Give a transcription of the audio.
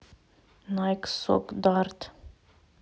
найк сок дарт